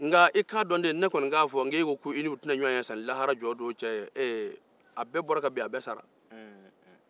ne y'a fɔ ko e ko ko i n'u tɛna ɲɔgɔn ye sani lahara jɔdon cɛ a bɛɛ sara